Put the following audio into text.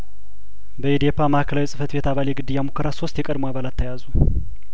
በኢዴፓ ማእከላዊ ጽህፈት ቤት አባል የግድያሙከራ ሶስት የቀድሞ አባላት ተያዙ